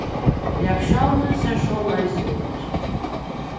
reaktiónin sær soleiðis út